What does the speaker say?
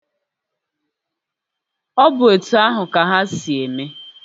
Ọ bụ etu ahụ ka ha si eme?